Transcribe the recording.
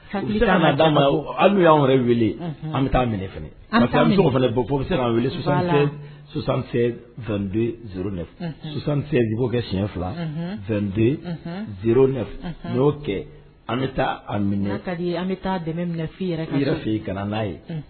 N n'a da hali y'an yɛrɛ wele an bɛ taa minɛf a an bɛ fana bɔ p bɛ se welesan j kɛ siɲɛ filaden y'o kɛ an bɛ taa an kadi an bɛ taa dɛmɛ f i yɛrɛ yɛrɛ fɛ ka n'a ye